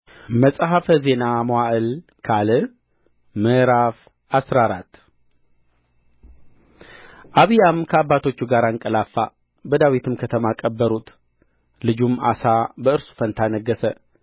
መጽሐፈ ዜና መዋዕል ካልዕ ምዕራፍ አስራ አራት አብያም ከአባቶቹ ጋር አንቀላፋ በዳዊትም ከተማ ቀበሩት ልጁም አሳ በእርሱ ፋንታ ነገሠ